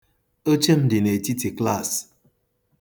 Oche m dị n'etiti klas.